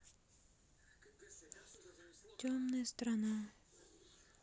темная сторона